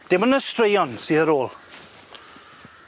Dim on' y straeon syar ôl.